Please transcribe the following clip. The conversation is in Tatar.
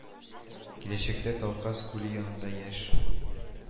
Киләчәктә Талкас күле янында яшь